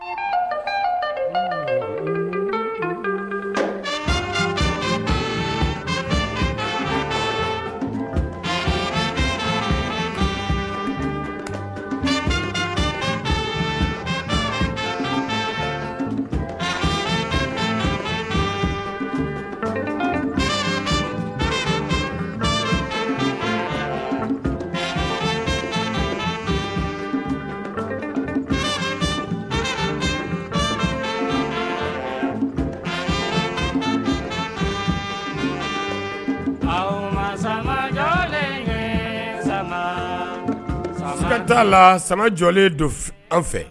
Sama jɔ don an fɛ